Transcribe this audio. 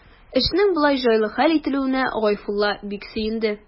Эшнең болай җайлы хәл ителүенә Гайфулла бик сөенде.